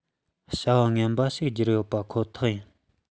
བྱ བ ངན པ ཞིག སྦྱར ཡོད པ ཁོ ཐག ཡིན